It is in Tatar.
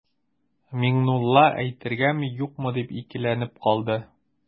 Миңнулла әйтергәме-юкмы дип икеләнеп калды.